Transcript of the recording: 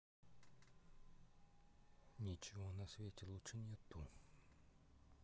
ничего на свете лучше нету